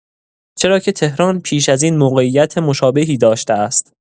چرا که تهران پیش از این موقعیت مشابهی داشته است.